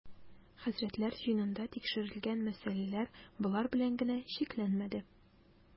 Хәзрәтләр җыенында тикшерел-гән мәсьәләләр болар белән генә чикләнмәде.